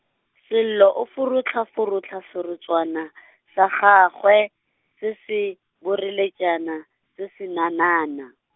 Sello o forohlaforohla serotswana , sa gagwe, se se, boreletšana, se senanana.